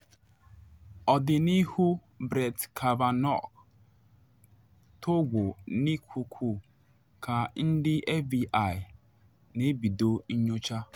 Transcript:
Ọdịnihu Brett Kavanaugh tọgbọ n’ikuku ka ndị FBI na ebido nyocha